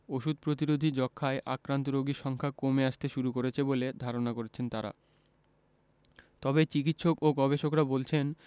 ওষুধ প্রতিরোধী যক্ষ্মায় আক্রান্ত রোগীর সংখ্যা কমে আসতে শুরু করেছে বলে ধারণা করছেন তারা তবে চিকিৎসক ও গবেষকরা বলছেন